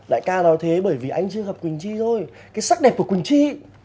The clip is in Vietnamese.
đại ca nói thế bởi vì anh chưa gặp quỳnh chi thôi cái sắc đẹp của quỳnh chi